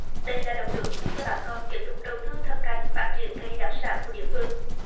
đây là động lực giúp cho bà con tiếp tục đầu tư thâm canh phát triển cây đặc sản của địa phương